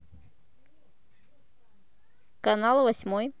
канал восьмой